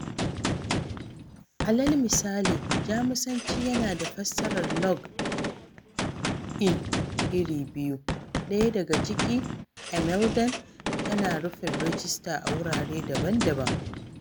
Alal misali, Jamusanci yana da fassarar 'log in' iri biyu, ɗaya daga ciki (anmelden) tana nufin 'Rijista' a wurare daban-daban.